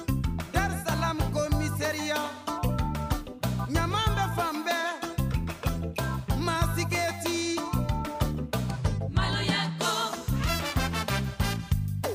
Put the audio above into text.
Den mi seya ɲama bɛ fan bɛɛ maa si jigin malo ya ko fɛ